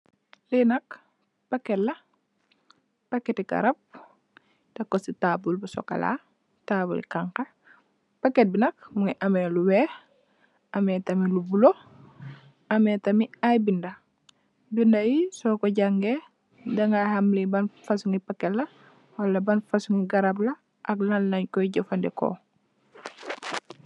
Liinak paketla paketi garab tekko si tabule bu socola tabulbli xanxa paketbi nak mungi ameh lu wekh ameh tamit lu bulo ameh tamit ayy binda binda yi soco jangeh danga ham li ban fasongi garabla ak lanlenko jefandiko.